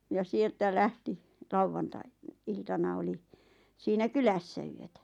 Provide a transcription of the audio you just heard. ja sieltä lähti - lauantai-iltana oli siinä kylässä yötä